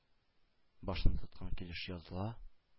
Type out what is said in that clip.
Башны тоткан килеш языла.